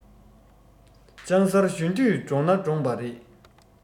ལྕང གསར གཞོན དུས འདྲོངས ན འདྲོངས པ རེད